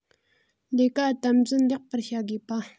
ལས ཀ དམ འཛིན ལེགས པར བྱ དགོས པ